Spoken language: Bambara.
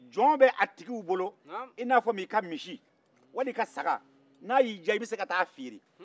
jɔn bɛ a tigiw bolo ina fɔ i ka misi wali i ka saga n'a y'i diya i bɛ se ka taa fere